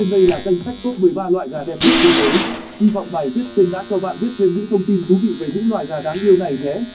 trên đây là danh sách top loại gà đẹp nhất thế giới hy vọng bài viết trên đã cho bạn biết thêm những thông tin thú vị về những loài gà đáng yêu này nhé